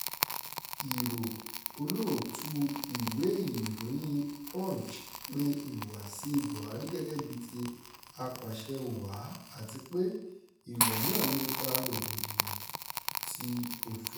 Ìrò olóòtú ìwé ìròyìn Punch pe ìhùwàsíi Buhari gẹ́gẹ́ bíi ti apàṣẹ-wàá àti pé ìwà náà lè fa rògbòdìyàn-an ti òfin: